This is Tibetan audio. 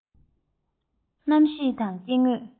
གནམ གཤིས དང སྐྱེ དངོས